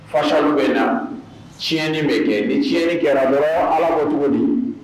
Fasali bɛ na tiɲɛni bɛ kɛ ni ciɲɛni kɛra dɔrɔn ala bɛ cogo di